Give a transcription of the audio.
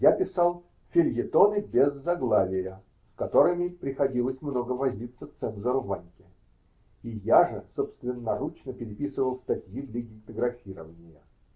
Я писал "Фельетоны без заглавия", с которыми при ходилось много возиться цензору Ваньке, и я же собственноручно переписывал статьи для гектографирования.